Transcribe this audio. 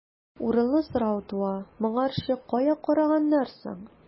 Урынлы сорау туа: моңарчы кая караганнар соң?